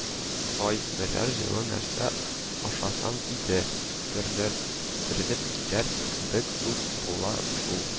АЙ берәр җылы нәрсә ашасам иде, терелеп китәр кебек үк булам шул